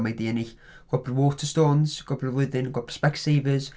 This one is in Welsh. Mae 'di ennill gwobr Waterstones, gwobr y flwyddyn gwobr Specsavers.